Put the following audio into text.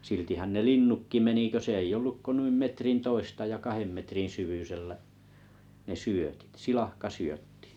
siltihän ne linnutkin meni kun ollut kuin noin metrin toista ja kahden metrin syvyisellä ne syötit silakkasyötti